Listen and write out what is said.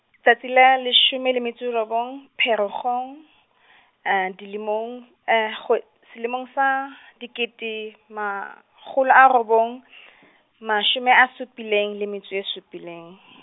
tsatsi la le leshome le metso e robong Pherekgong , dilemong, kgwe selemong sa, dikete makgolo a robong , mashome a supileng le metso e supileng.